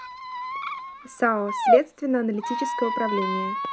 сао следственно аналитическое управление